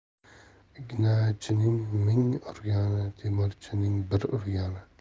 ignachining ming urgani temirchining bir urgani